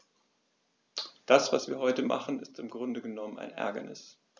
Das, was wir heute machen, ist im Grunde genommen ein Ärgernis.